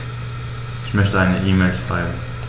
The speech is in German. Ich möchte eine E-Mail schreiben.